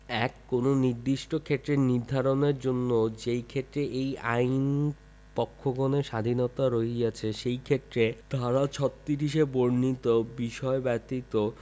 ১ কোন নির্দিষ্ট বিষয় নির্ধারণের জন্য যেইক্ষেত্রে এই আইন পক্ষগণের স্বাধীণতা রহিয়াছে সেইক্ষেত্রে ধারা ৩৬ এ বর্ণিত বিষয় ব্যতীত